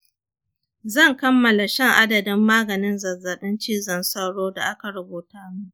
zan kammala shan adadin maganin zazzabin cizon sauro da aka rubuta min.